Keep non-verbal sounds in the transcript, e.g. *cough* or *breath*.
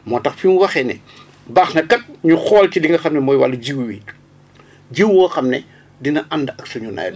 moo tax fi mu waxee ne *breath* baax na kat ñu xool ci li nga xam ne mooy wàll jiw wi jiw woo xam ne dina ànd ak suñu nawet